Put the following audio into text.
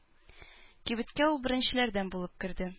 Кибеткә ул беренчеләрдән булып керде.